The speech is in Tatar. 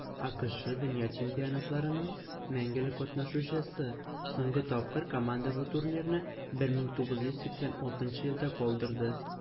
АКШ - дөнья чемпионатларының мәңгелек катнашучысы; соңгы тапкыр команда бу турнирны 1986 елда калдырды.